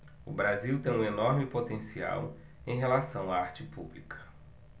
o brasil tem um enorme potencial em relação à arte pública